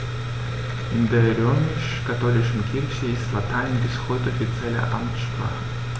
In der römisch-katholischen Kirche ist Latein bis heute offizielle Amtssprache.